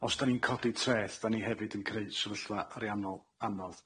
Os dan ni'n codi treth, dan ni hefyd yn creu sefyllfa ariannol anodd.